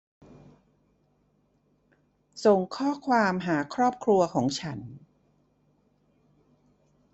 ส่งข้อความหาครอบครัวของฉัน